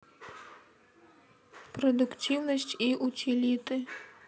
продуктивность и утилиты